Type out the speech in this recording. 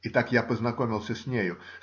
Итак, я познакомился с нею.